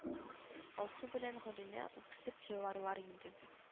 Алсу белән гөлинә үксеп еларлар инде